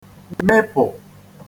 mịpụ̀